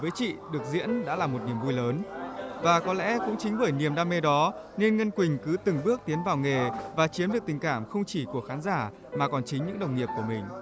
với chị được diễn đã là một niềm vui lớn và có lẽ cũng chính bởi niềm đam mê đó nên ngân quỳnh cứ từng bước tiến vào nghề và chiếm được tình cảm không chỉ của khán giả mà còn chính những đồng nghiệp của mình